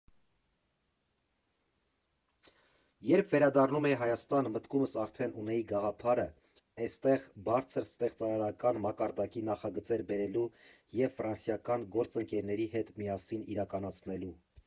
Երբ վերադառնում էի Հայաստան, մտքումս արդեն ունեի գաղափարը՝ էստեղ բարձր ստեղծարարական մակարդակի նախագծեր բերելու և ֆրանսիական գործընկերների հետ միասին իրականացնելու։